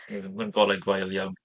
Maen nhw... maen golau gwael iawn.